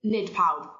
nid pawb